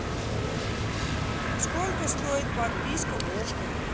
сколько стоит подписка окко